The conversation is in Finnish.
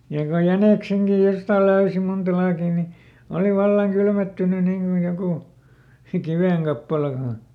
ja kun jäniksenkin jostakin löysi monta laakia niin oli vallan kylmettynyt niin kuin joku kivenkappale kun on